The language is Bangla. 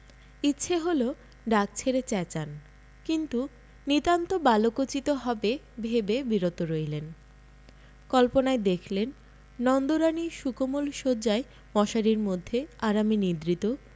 ইচ্ছে হলো ডাক ছেড়ে চেঁচান কিন্তু নিতান্ত বালকোচিত হবে ভেবে বিরত রইলেন কল্পনায় দেখলেন নন্দরানী সুকোমল শয্যায় মশারির মধ্যে আরামে নিদ্রিত